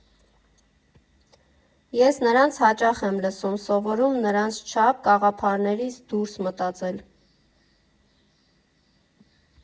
Ես նրանց հաճախ եմ լսում, սովորում նրանց չափ կաղապարներից դուրս մտածել։